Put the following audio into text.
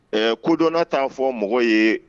Ɛ kodɔnna t' fɔ mɔgɔ ye